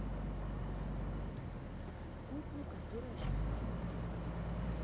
куклы которые оживают в руках